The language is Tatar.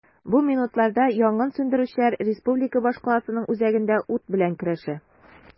Бу минутларда янгын сүндерүчеләр республика башкаласының үзәгендә ут белән көрәшә.